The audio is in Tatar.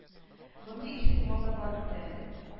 Мондый их тимал да бар бит әле